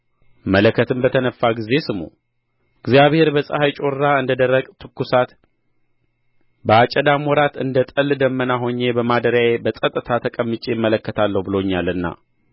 መለከትም በተነፋ ጊዜ ስሙ እግዚአብሔር በፀሐይ ጮራ እንደ ደረቅ ትኩሳት በአጨዳም ወራት እንደ ጠል ደመና ሆኜ በማደሪያዬ በጸጥታ ተቀምጬ እመለከታለሁ ብሎኛልና